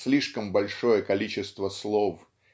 слишком большое количество слов